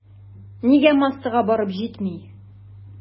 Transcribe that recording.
Нигә массага барып җитми?